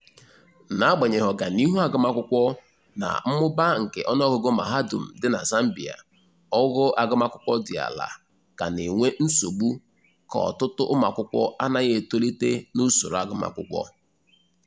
N'agbanyeghị ọganihu agụmakwụkwọ na mmụba nke ọnụọgụgụ mahadum dị na Zambia, ogo agụmakwụkwọ dị ala ka na-enwe nsogbu ka ọtụtụ ụmụakwụkwọ anaghị etolite n'usoro agụmakwụkwọ.